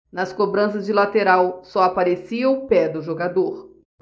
nas cobranças de lateral só aparecia o pé do jogador